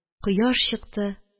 Кояш чыкты